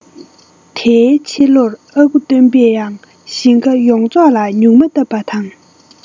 དེའི ཕྱི ལོར ཨ ཁུ སྟོན པས ཡང ལིང ཁ ཡོངས རྫོགས ལ ཉུག མ བཏབ པ དང